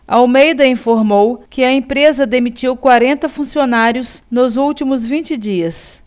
almeida informou que a empresa demitiu quarenta funcionários nos últimos vinte dias